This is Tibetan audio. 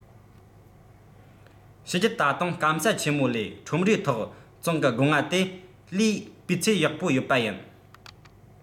གཤིས རྒྱུད ད དུང སྐམ ས ཆེན མོ ལས ཁྲོམ རའི ཐོག བཙོང གི སྒོ ང དེ ལས སྤུས ཚད ཡག པོ ཡོད པ ཡིན